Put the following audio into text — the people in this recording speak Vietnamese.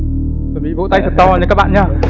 chuẩn bị vỗ tay thật to lên các bạn nhớ